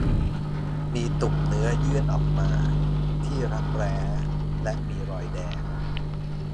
มีตุ่มเนื้อยื่นออกมาที่รักแร้และมีรอยแดง